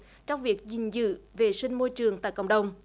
trong việc gìn giữ vệ sinh môi trường tại cộng đồng